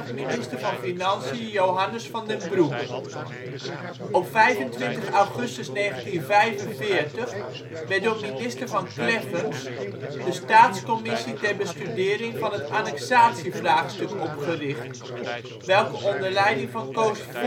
minister van Financiën Johannes van den Broek. Op 25 augustus 1945 werd door minister Van Kleffens de Staatscommissie ter Bestudering van het Annexatievraagstuk opgericht, welke onder leiding van Koos